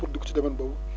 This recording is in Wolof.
pour dugg ci domaine boobu